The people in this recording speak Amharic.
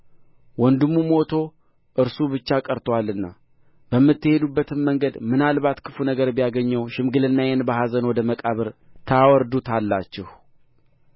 ወንድሙ ሞቶ እርሱ ብቻ ቀርቶአልና በምትሄዱበት መንገድ ምናልባት ክፉ ነገር ቢያገኘው ሽምግልናዬን በኅዘን ወደ መቃብር ታወርዱታላችሁ